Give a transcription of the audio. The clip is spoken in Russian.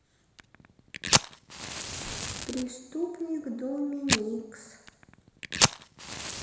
преступник доминикс